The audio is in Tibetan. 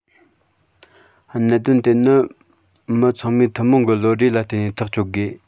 གནད དོན དེ ནི མི ཚང མའི ཐུན མོང གི བློ གྲོས ལ བརྟེན ནས ཐག གཅོད དགོས